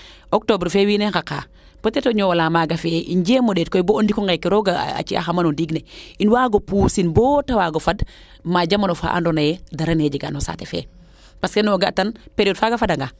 octobre fee wiin we ngaka peut etre o ñowola maaga fiye im jeemo ndeet koy bo o ndiko ngeke rooga a ciya xama no ndiing ne im waago puusin bo te waago fad ma jamano faa ando naye dara ne jega no saate fee parce que ne o ga tan periode faaga fada nga